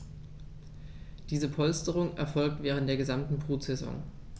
Diese Polsterung erfolgt während der gesamten Brutsaison.